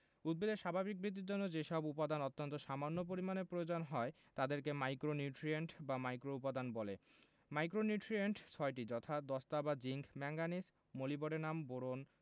উদ্ভিদের স্বাভাবিক বৃদ্ধির জন্য যেসব উপাদান অত্যন্ত সামান্য পরিমাণে প্রয়োজন হয় তাদেরকে মাইক্রোনিউট্রিয়েন্ট বা মাইক্রোউপাদান বলে মাইক্রোনিউট্রিয়েন্ট ৬টি যথা দস্তা বা জিংক ম্যাংগানিজ মোলিবডেনাম বোরন